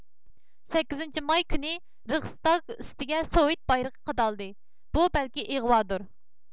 سەككىزىنچى ماي كۈنى رېخىستاگ ئۈستىگە سوۋېت بايرىقى قادالدى بۇ بەلكى ئىغۋادۇر